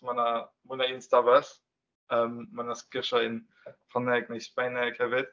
Ma' 'na mwy na un stafell. Yyn ma' 'na sgyrsiau yn Ffrangeg neu Sbaeneg hefyd.